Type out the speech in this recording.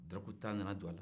dɔrɔgu ta nana don a la